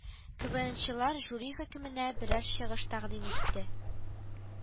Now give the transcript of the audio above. КэВээНчылар жюри хөкеменә берәр чыгыш тәкъдим итте